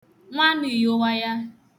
nwanuìyowaya